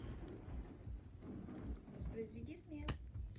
воспроизведи смех